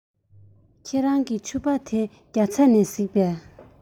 ཁྱེད རང གི ཕྱུ པ དེ རྒྱ ཚ ནས གཟིགས པས